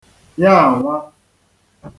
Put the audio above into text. yaànwa